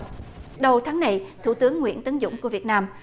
đầu tháng này thủ tướng nguyễn tấn dũng của việt nam